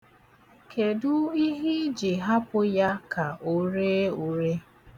Kedu ihe ị ji hapụ ya ka o ree ure?